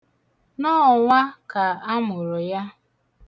Nọọnwa ka a mụrụ m.